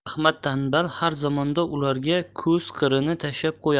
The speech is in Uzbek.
ahmad tanbal har zamonda ularga ko'z qirini tashlab qo'yadi